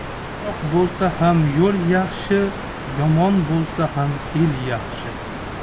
uzoq bo'lsa ham yo'l yaxshi yomon bo'lsa ham el yaxshi